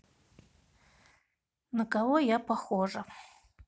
на кого я похожа